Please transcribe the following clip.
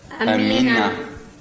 amiina